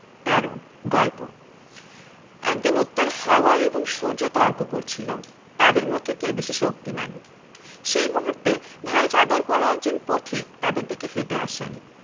১৩ গল্প একদিন উত্তর হাওয়া এবং সূর্য তর্ক করছিল তাদের মধ্যে কে বেশি শক্তিমান সেই মুহূর্তে ভারি চাদর পরা একজন পথিক তাদের দিকে হেটে আসেন